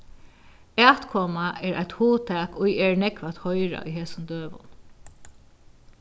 atkoma er eitt hugtak ið er nógv at hoyra í hesum døgum